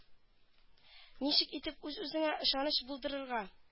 Ничек итеп үз-үзеңә ышаныч булдырырга